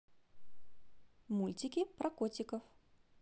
мультики про котиков